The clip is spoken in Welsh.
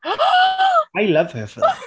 O! I love her for that.